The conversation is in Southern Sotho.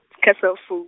ka cell pho-.